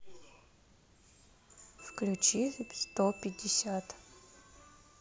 включи сто пятьдесят